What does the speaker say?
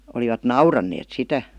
olivat nauraneet sitä